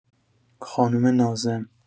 خانم ناظم